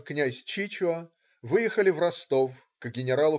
князь Чичуа выехали в Ростов к ген.